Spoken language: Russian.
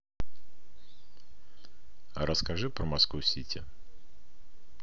расскажи про москву сити